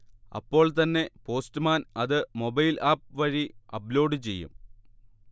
അപ്പോൾത്തന്നെ പോസ്റ്റ്മാൻ അത് മൊബൈൽആപ്പ് വഴി അപ്ലോഡ് ചെയ്യും